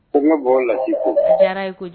Ko ka b'o la ko